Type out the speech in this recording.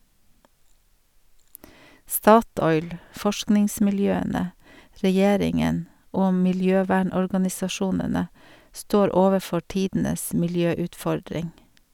Statoil, forskningsmiljøene, regjeringen og miljøvernorganisasjonene står overfor tidenes miljøutfordring.